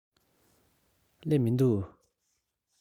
སླེབས མི འདུག